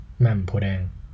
แหม่มโพธิ์แดง